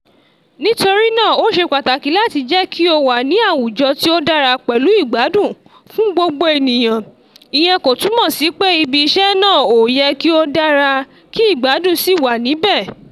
Nítorí náà ó ṣe pàtàkì láti jẹ kí ó wà ní àwùjọ tí ó dára pẹ̀lú ìgbádùn fún gbogbo ènìyàn (ìyẹn kò túmọ̀ sí pé ibi iṣẹ́ náà ò yẹ kí o dára kí ìgbádùn sì wà níbẹ̀...).